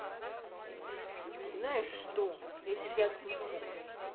знаешь что я тебя отключу